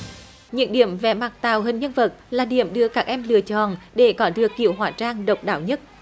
những điểm về mặt tạo hình nhân vật là điểm được các em lựa chọn để có được kiểu hóa trang độc đáo nhất